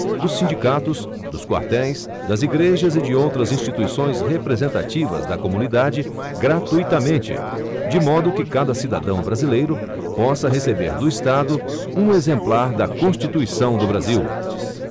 dos sindicatos dos quartéis das igrejas e de outras instituições representativas da comunidade gratuitamente de modo que cada cidadão brasileiro possa receber do estado um exemplar da constituição do brasil